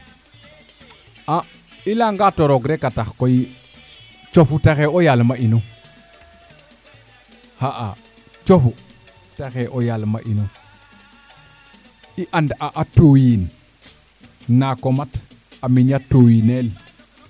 a i leya nga to roog reka tax koy cofu taxe o yaal ma inu xa'a cofu taxe o yaal ma inu i and a a tooyin naako mat a miña yooy nel